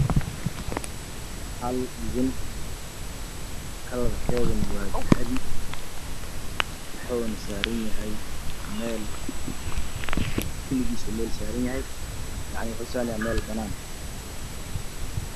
Hal gudin kalrkeduna waa dahabi wuxuuna saaraan yahy meel yacni wuxuu saran yahay meel banan ah